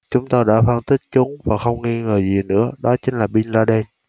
chúng tôi đã phân tích chúng và không nghi ngờ gì nữa đó chính là bin laden